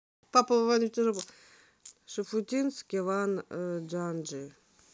шуфутинский ван janji